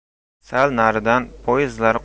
sal naridan poyezdlar